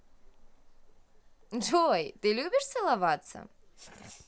джой ты любишь целоваться